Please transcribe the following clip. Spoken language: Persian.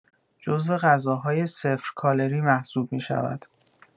جزو غذاهای صفر کالری محسوب می‌شود.